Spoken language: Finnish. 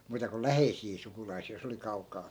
muuta kuin läheisiä sukulaisia jos oli kaukaa